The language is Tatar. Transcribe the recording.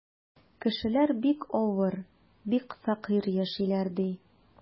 Кешеләр бик авыр, бик фәкыйрь яшиләр, ди.